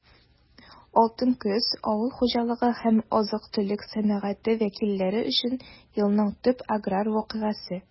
«алтын көз» - авыл хуҗалыгы һәм азык-төлек сәнәгате вәкилләре өчен елның төп аграр вакыйгасы.